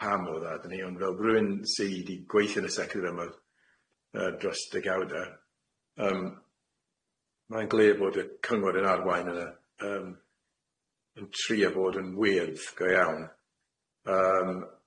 pam o'r dda dyni ond fel rywun sy di gweithio yn y sector yma dros dy gawd e yym mae'n glir bod y cyngor yn arwain yna yym yn trio bod yn wyrdd go iawn yym